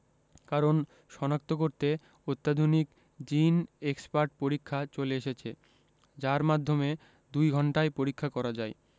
কারণ শনাক্ত করতে অত্যাধুনিক জিন এক্সপার্ট পরীক্ষা চলে এসেছে যার মাধ্যমে দুই ঘণ্টায় পরীক্ষা করা যায়